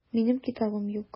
Минем китабым юк.